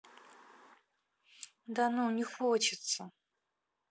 да ну не хочется